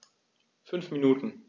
5 Minuten